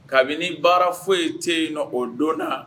Kabini baara foyi ye cɛ yen nɔ o don na